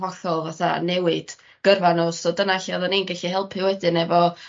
hollol fatha newid gyrfa n'w so dyna lle oddan ni'n gellu helpu wedyn efo